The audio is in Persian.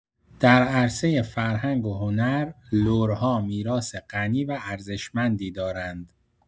در عرصه فرهنگ و هنر، لرها میراث غنی و ارزشمندی دارند.